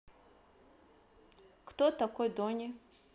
кто такой doni